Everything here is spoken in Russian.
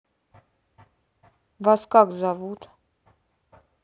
вас как зовут